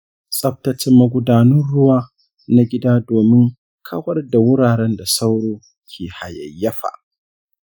tsaftace magudanun ruwa na gida domin kawar da wuraren da sauro ke hayayyafa.